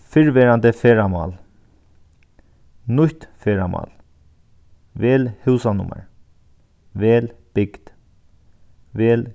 fyrrverandi ferðamál nýtt ferðamál vel húsanummar vel bygd vel